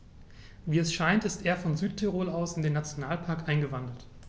Wie es scheint, ist er von Südtirol aus in den Nationalpark eingewandert.